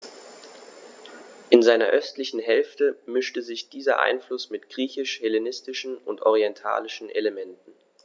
In seiner östlichen Hälfte mischte sich dieser Einfluss mit griechisch-hellenistischen und orientalischen Elementen.